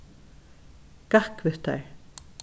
gakk við tær